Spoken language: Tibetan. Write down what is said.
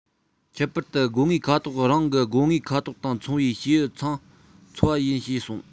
ཁྱད པར དུ སྒོ ངའི ཁ དོག རང གི སྒོ ངའི ཁ དོག དང མཚུངས པའི བྱེའུ ཚང འཚོལ བ ཡིན ཞེས གསུངས